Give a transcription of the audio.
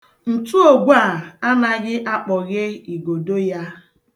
Ntụogwe a anaghị akpọghe igodo ya.